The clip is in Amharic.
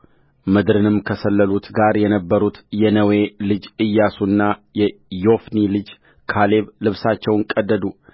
ምድርን ከሰለሉት ጋር የነበሩት የነዌ ልጅ ኢያሱና የዮፎኒ ልጅ ካሌብ ልብሳቸውን ቀደዱ